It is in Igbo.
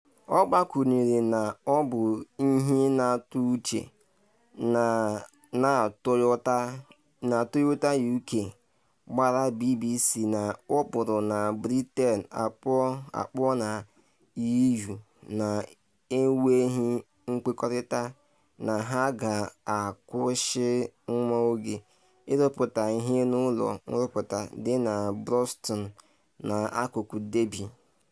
Ọ gbakwunyere na ọ bụ ihe “na-atụ uche” na Toyota UK gwara BBC na ọ bụrụ na Britain apụọ na EU na-enweghị nkwekọrịta, na ha ga-akwụsị nwa oge ịrụpụta ihe n’ụlọ nrụpụta dị na Burnaston, n’akụkụ Derby.